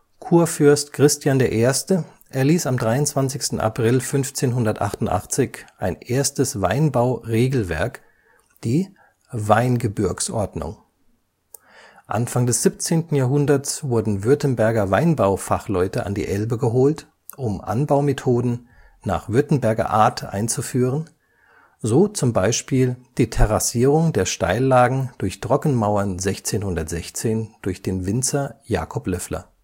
Kurfürst Christian I. erließ am 23. April 1588 ein erstes Weinbau-Regelwerk, die Weingebürgsordnung. Anfang des 17. Jahrhunderts wurden Württemberger Weinbau-Fachleute an die Elbe geholt, um Anbaumethoden „ nach Württemberger Art “einzuführen, so zum Beispiel die Terrassierung der Steillagen durch Trockenmauern 1616 durch den Winzer Jacob Löffler